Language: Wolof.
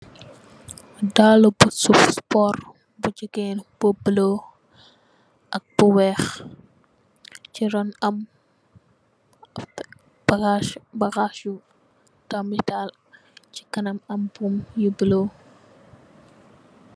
Dalla bu suspor bu jegain bu bulo ak bu weex che room am bagass yu dome taal se kanam am bom yu bolu.